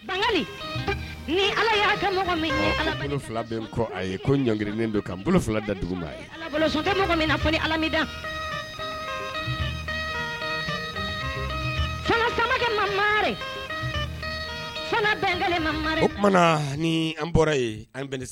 Nikɛ min na alamidakɛ mamama ma oumana ni an bɔra an